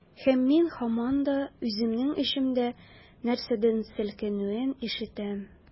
Һәм мин һаман да үземнең эчемдә нәрсәдер селкенүен ишетәм.